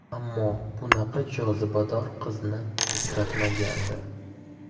ammo bunaqa jozibador qizni uchratmagandi